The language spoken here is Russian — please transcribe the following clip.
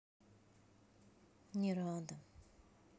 не рада